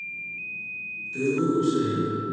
ты лучшая